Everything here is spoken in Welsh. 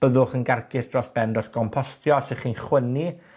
byddwch yn garcus dros ben dros gompostio os 'ych chi'n chwynnu